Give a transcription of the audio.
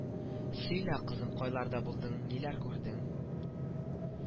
Сөйлә кызым кайларда булдың ниләр күрдең